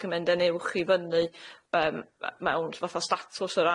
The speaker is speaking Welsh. chi'n mynd yn uwch i fyny yym yy mewn fatha statws yr